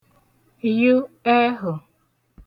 yụ ẹhụ̀